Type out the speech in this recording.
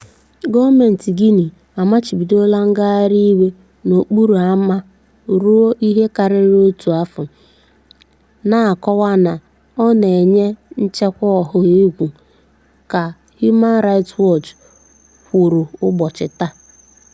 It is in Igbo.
Gọọmentị Guinea amachibidoola ngagharị iwe n'okporo ámá ruo ihe karịrị otu afọ, na-akọwa na ọ na-eyi nchekwa ọha egwu, ka Human Rights Watch kwuru ụbọchị taa.